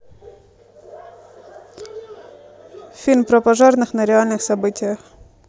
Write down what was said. фильм про пожарных на реальных событиях